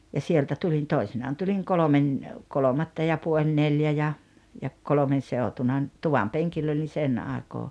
ja sieltä tulin toisinaan tulin kolmen kolmatta ja puoli neljä ja ja kolmen seutuna - tuvan penkillä olin sen aikaa